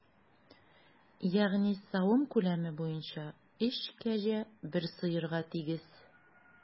Ягъни савым күләме буенча өч кәҗә бер сыерга тигез.